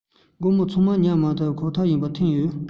དགོང མོ ཚང མར ཉམས མ བཞག པར ཁོ ཐག ཐོན ཡོད